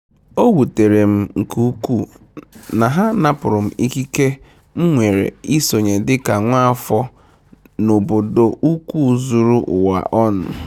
O wutere m nke ukwuu na ha napụrụ m ikike m nwere isonye dika nwa afọ n'obodo ukwu zuru ụwa ọnụ.